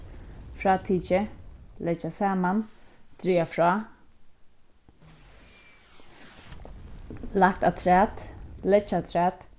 frátikið leggja saman draga frá lagt afturat leggja afturat